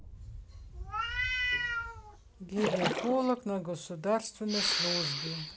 гинеколог на государственной службе